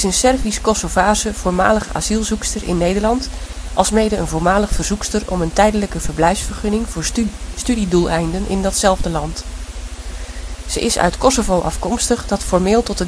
Servisch-Kosovaarse voormalig asielzoekster in Nederland alsmede een voormalig verzoekster om een tijdelijke verblijfsvergunning voor studiedoeleinden in datzelfde land. Zij is uit Kosovo afkomstig dat formeel tot